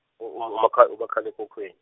um- uma- umaka- umakhalekhukhwini.